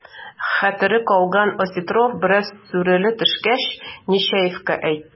Хәтере калган Осетров, бераз сүрелә төшкәч, Нечаевка әйтте: